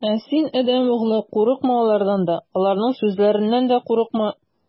Ә син, адәм углы, курыкма алардан да, аларның сүзләреннән дә курыкма.